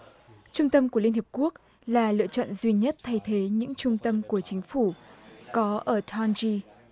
trung tâm của liên hiệp quốc là lựa chọn duy nhất thay thế những trung tâm của chính phủ có ở thon di